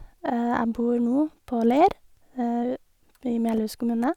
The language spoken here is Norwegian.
Jeg bor nå på Ler i Melhus kommune.